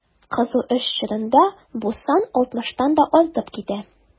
Кызу эш чорында бу сан 60 тан да артып китә.